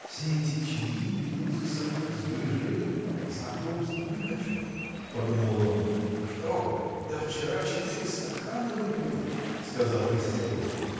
Все эти чаи ведут за собой сближение. знакомства. не хочу! – подумал он. – Что вы? да вчера четыре стакана выпили! – сказал Костяков.